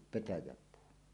petäjäpuu